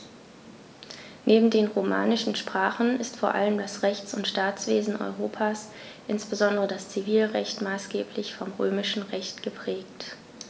Neben den romanischen Sprachen ist vor allem das Rechts- und Staatswesen Europas, insbesondere das Zivilrecht, maßgeblich vom Römischen Recht geprägt.